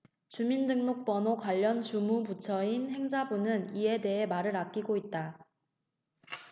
주민등록번호 관련 주무 부처인 행자부는 이에 대해 말을 아끼고 있다